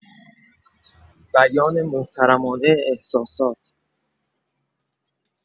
بیان محترمانه احساسات